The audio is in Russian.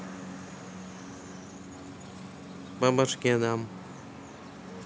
по башке дам